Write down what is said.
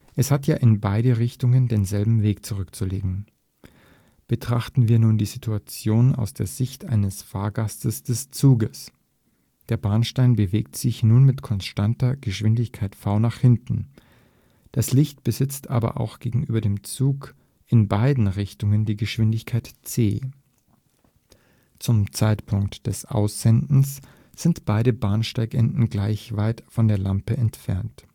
Es hat ja in beide Richtungen denselben Weg zurückzulegen. Betrachten wir nun die Situation aus der Sicht eines Fahrgastes des Zuges: Der Bahnsteig bewegt sich nun mit konstanter Geschwindigkeit v nach hinten. Das Licht besitzt aber auch gegenüber dem Zug in beiden Richtungen die Geschwindigkeit c. Zum Zeitpunkt des Aussendens sind beide Bahnsteigenden gleich weit von der Lampe entfernt